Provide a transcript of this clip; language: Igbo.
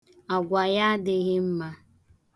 Agwa ya adịghị mma.